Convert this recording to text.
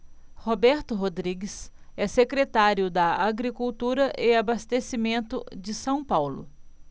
roberto rodrigues é secretário da agricultura e abastecimento de são paulo